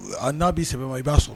A n'a bɛ sɛ i b'a sɔrɔ